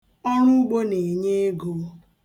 Ọruugbo na-enye ego.